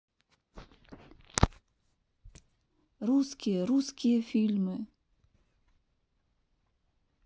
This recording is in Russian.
русские русские фильмы